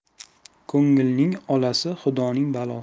ko'ngilning olasi xudoning balosi